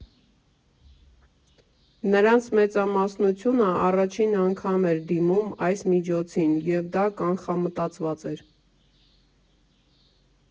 Նրանց մեծամասնությունն առաջին անգամ էր դիմում այս միջոցին, և դա կանխամտածված էր։